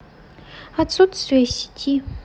отсутствие сети